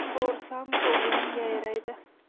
ko'rsam ko'nglim yayraydi